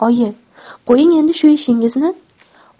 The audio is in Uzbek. oyi qo'ying endi shu ishingizni